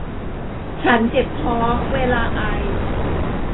ฉันเจ็บท้องเวลาไอ